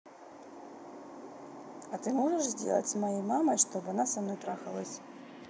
а ты можешь сделать с моей мамой чтобы она со мной трахалась